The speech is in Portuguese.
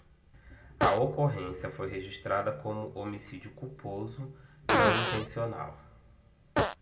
a ocorrência foi registrada como homicídio culposo não intencional